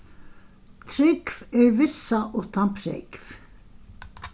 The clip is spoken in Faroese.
trúgv er vissa uttan prógv